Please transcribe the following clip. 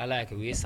Ala a kɛ u ye